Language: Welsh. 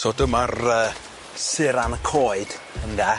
So dyma'r yy suran y coed ynde?